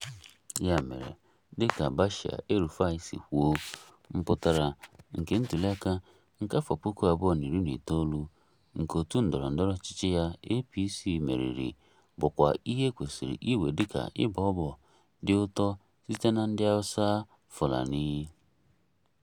Ya mere, dịka Bashir El-Rufai si kwuo, mpụtara nke ntụliaka nke 2019 nke òtù ndọrọ ndọrọ ọchịchị ya, APC, meriri, bụkwa ihe e kwesịrị iwe dị ka "ịbọ ọbọ" dị ụtọ site na ndị Awụsa, Fulani.